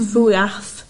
fwyaf